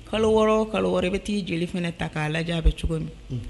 Kalo wɔɔrɔ o kalo wɔɔrɔ i bɛ t'i joli fana ta k'a lajɛ a bɛ cogo min.